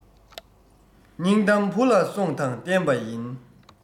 སྙིང གཏམ བུ ལ གསོང དང བརྟན པ ཡིན